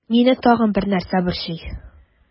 Мине тагын бер нәрсә борчый.